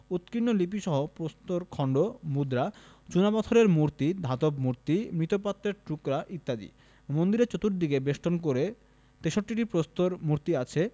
উৎকীর্ণ লিপিসহ প্রস্তরখন্ড মুদ্রা চূনাপাথরের মূর্তি ধাতব মূর্তি মৃৎপাত্রের টুকরা ইত্যাদি মন্দিরের চতুর্দিকে বেষ্টন করে ৬৩টি প্রস্তর মূর্তি আছে